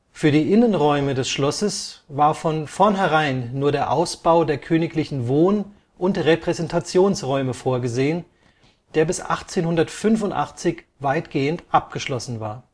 Für die Innenräume des Schlosses war von vornherein nur der Ausbau der königlichen Wohn - und Repräsentationsräume vorgesehen, der bis 1885 weitgehend abgeschlossen war